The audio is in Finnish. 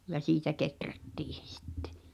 ja siitä kehrättiin se sitten